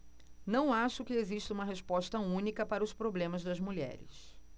não acho que exista uma resposta única para os problemas das mulheres